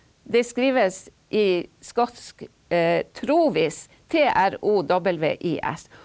det skrives i skotsk T R O W I S.